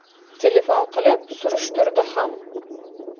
telefon qilib surishtirdi ham